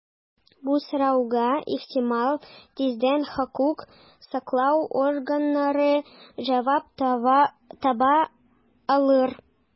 Бу сорауга, ихтимал, тиздән хокук саклау органнары җавап таба алыр.